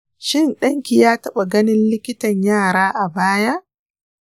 shin danki ya taba ganin likitan yara a baya?